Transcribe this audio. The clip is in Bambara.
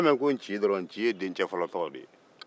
n'i y'a mɛn ko nci dɔrɔn o ye dence fɔlɔ tɔgɔ de ye